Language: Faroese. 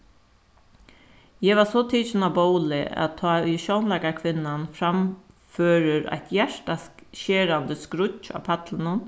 eg var so tikin á bóli at tá ið sjónleikarakvinnan framførir eitt hjarta skerandi skríggj á pallinum